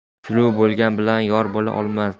suluv bo'lgan bilan yor bo'la olmas